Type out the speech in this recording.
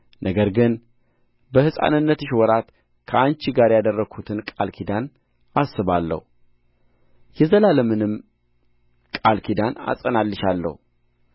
ነገር ግን በሕፃንነትሽ ወራት ከአንቺ ጋር ያደረግሁትን ቃል ኪዳኔን አስባለሁ የዘላለምንም ቃል ኪዳን አጸናልሻለሁ